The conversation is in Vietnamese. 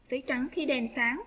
giấy trắng khi đèn sáng